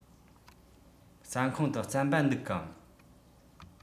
ཟ ཁང དུ རྩམ པ འདུག གམ